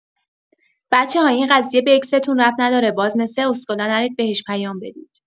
بچه‌ها این قضیه به اکستون ربط نداره، باز مث اسکلا نرید بهش پیام بدید.